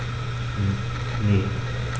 Ne.